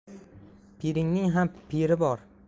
piringning ham piri bor